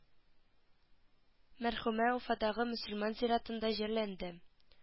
Мәрхүмә уфадагы мөселман зиратында җирләнде